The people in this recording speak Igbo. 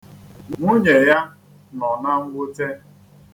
Nwunye ya nọ na nnwute.